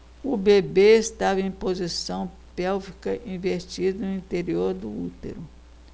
o bebê estava em posição pélvica invertida no interior do útero